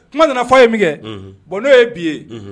Kuma nana fɔ a ye min kɛ bɔn n'o ye bi ye